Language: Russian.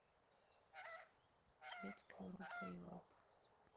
шведская группа европа